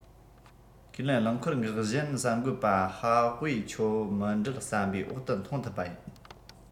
ཁས ལེན རླངས འཁོར འགག བཞིན གསར འགོད པ ཧྭ ཝུའེ ཆའོ མི འགྲུལ ཟམ པའི འོག ཏུ མཐོང ཐུབ པ ཡིན